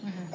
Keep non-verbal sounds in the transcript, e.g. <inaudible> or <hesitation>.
<hesitation> <hesitation>